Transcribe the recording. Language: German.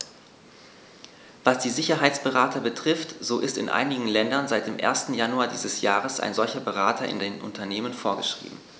Was die Sicherheitsberater betrifft, so ist in einigen Ländern seit dem 1. Januar dieses Jahres ein solcher Berater in den Unternehmen vorgeschrieben.